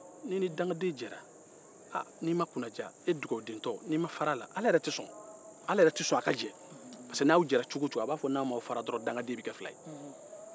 ni dugawuden ni dakanden jɛra ala yɛrɛ sɔn sabu a b'a fɔ n'a m'aw fara dakanden bɛ kɛ fila ye